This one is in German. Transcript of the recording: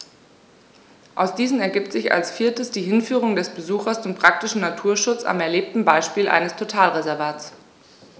Aus diesen ergibt sich als viertes die Hinführung des Besuchers zum praktischen Naturschutz am erlebten Beispiel eines Totalreservats.